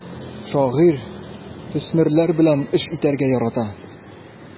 Шагыйрь төсмерләр белән эш итәргә ярата.